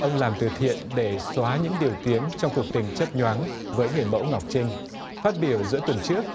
ông làm từ thiện để xóa những điều tiếng trong cuộc tình chớp nhoáng với người mẫu ngọc trinh phát biểu giữa tuần trước